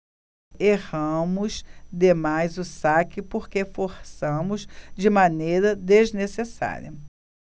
erramos demais o saque porque forçamos de maneira desnecessária